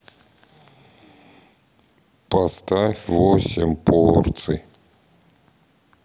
поставь восемь порций